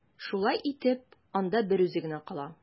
Шулай итеп, анда берүзе генә кала.